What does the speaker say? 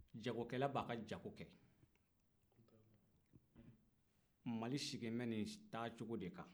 jagokɛla b'a ka jago kɛ mali sigilen bɛ nin taacogo de kan